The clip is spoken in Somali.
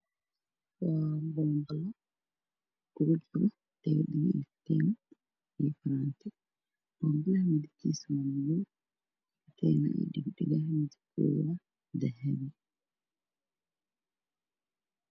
Qolka gudihiisa waxaa yaalo qeybiso mideb keedu yahay cadaan